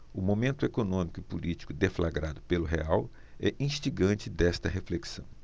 o momento econômico e político deflagrado pelo real é instigante desta reflexão